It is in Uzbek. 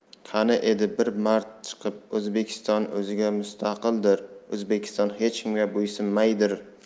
qani edi bir mard chiqib o'zbekiston o'ziga mustaqildir o'zbekiston hech kimga bo'ysunmaydir